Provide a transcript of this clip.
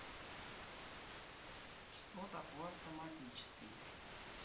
что такое автоматический